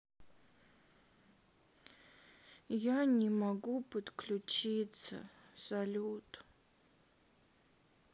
я не могу подключиться салют